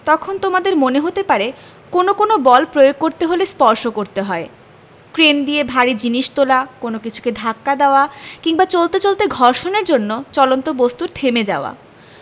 তখন তোমাদের মনে হতে পারে কোনো কোনো বল প্রয়োগ করতে হলে স্পর্শ করতে হয় ক্রেন দিয়ে ভারী জিনিস তোলা কোনো কিছুকে ধাক্কা দেওয়া কিংবা চলতে চলতে ঘর্ষণের জন্য চলন্ত বস্তুর থেমে যাওয়া